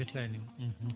fotanima